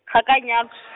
ga ka a nyalw-.